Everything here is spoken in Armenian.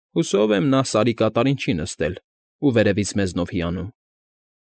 Հուսով եմ, նա սարի կատարին չի նստել ու վերևից մեզնով հիանում։